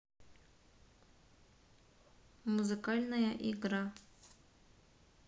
музыкальная игра